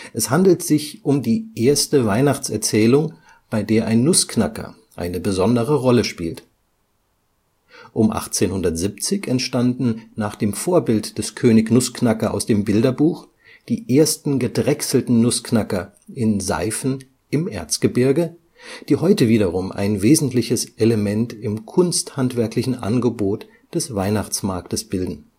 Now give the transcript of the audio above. Es handelt sich um die erste Weihnachtserzählung, bei der ein Nussknacker eine besondere Rolle spielt. Um 1870 entstanden nach dem Vorbild des König Nussknacker aus dem Bilderbuch die ersten gedrechselten Nussknacker in Seiffen im Erzgebirge, die heute wiederum ein wesentliches Element im kunsthandwerklichen Angebot des Weihnachtsmarktes bilden